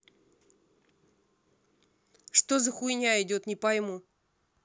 что за хуйня идет не пойму